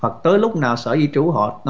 hoặc tới lúc nào sở di trú họ